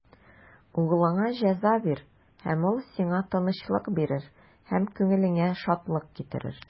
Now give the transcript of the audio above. Углыңа җәза бир, һәм ул сиңа тынычлык бирер, һәм күңелеңә шатлык китерер.